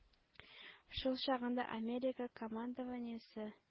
Шул чагында Америка командованиесе